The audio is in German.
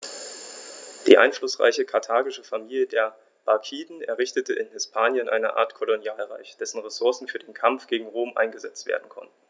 Die einflussreiche karthagische Familie der Barkiden errichtete in Hispanien eine Art Kolonialreich, dessen Ressourcen für den Kampf gegen Rom eingesetzt werden konnten.